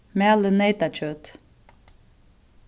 malið neytakjøt